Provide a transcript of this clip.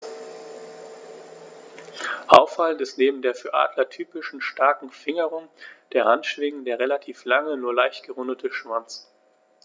Auffallend ist neben der für Adler typischen starken Fingerung der Handschwingen der relativ lange, nur leicht gerundete Schwanz.